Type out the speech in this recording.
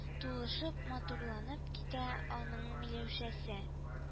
Тулышып-матурланып китә аның миләүшәсе